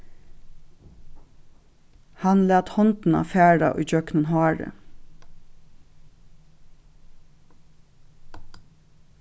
hann lat hondina fara ígjøgnum hárið